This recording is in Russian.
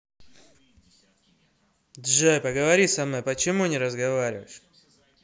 джой поговори со мной почему не разговариваешь